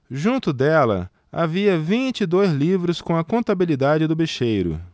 junto dela havia vinte e dois livros com a contabilidade do bicheiro